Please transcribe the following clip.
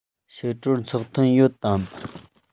ཕྱི དྲོར ཚོགས ཐུན ཡོད དམ